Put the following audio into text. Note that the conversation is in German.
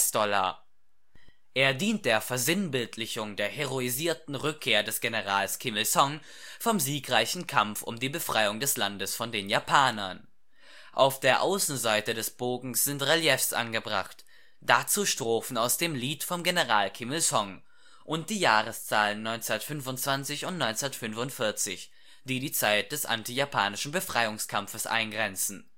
US-Dollar. Er dient der Versinnbildlichung der heroisierten Rückkehr des Generals Kim Il-sung vom siegreichen Kampf um die Befreiung des Landes von den Japanern. Auf der Außenseite des Bogens sind Reliefs angebracht, dazu Strophen aus dem „ Lied vom General Kim Il-sung “und die Jahreszahlen 1925 und 1945, die die Zeit des antijapanischen Befreiungskampfes eingrenzen